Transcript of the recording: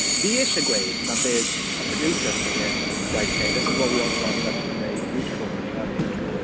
Fi isie gweud that there's a producer saying "Right, ok, this is what we want to have done today can you two go for a chat, can you two"...